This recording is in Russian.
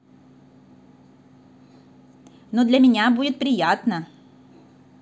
ну для меня будет приятно